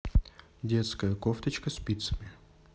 детская кофточка спицами